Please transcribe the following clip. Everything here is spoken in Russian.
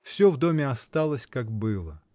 Все в доме осталось, как было.